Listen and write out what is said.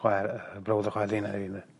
chwae- yy brawd a chwaer 'di'n nheulu.